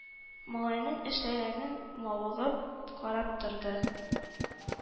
Малайның эшләгәнен мавыгып карап торды.